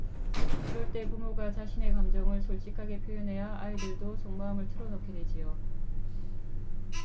그럴 때 부모가 자신의 감정을 솔직하게 표현해야 아이들도 속마음을 털어 놓게 되지요